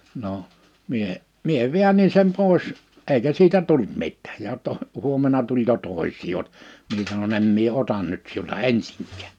no minä minä väänsin sen pois eikä siitä tullut mitään ja - huomenna tuli jo toisia - minä sanoin en minä ota nyt sinulta ensinkään